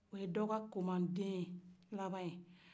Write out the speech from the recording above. o ye dɔkakoma den cɛ laban ye